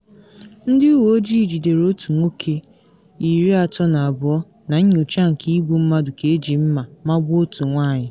Ndị uwe ojii jidere otu nwoke, 32, na nnyocha nke igbu mmadụ ka eji mma magbuo otu nwanyị